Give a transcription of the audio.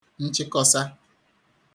nchikọsa